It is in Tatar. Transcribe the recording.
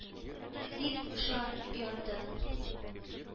– дип шар ярды